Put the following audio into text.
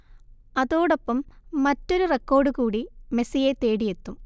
അതോടൊപ്പം മറ്റൊരു റെക്കോർഡ് കൂടി മെസ്സിയെ തേടിയെത്തും